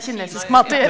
Kina .